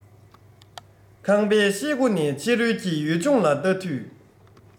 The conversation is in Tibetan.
ཁང པའི ཤེལ སྒོ ནས ཕྱི རོལ གྱི ཡུལ ལྗོངས ལ བལྟ དུས